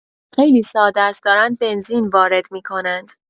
خیلی ساده ست دارن بنزین وارد می‌کنند